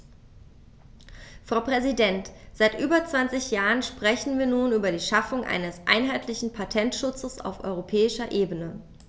Frau Präsidentin, seit über 20 Jahren sprechen wir nun über die Schaffung eines einheitlichen Patentschutzes auf europäischer Ebene.